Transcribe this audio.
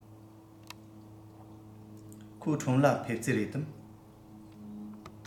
ཁོ ཁྲོམ ལ ཕེབས རྩིས རེད དམ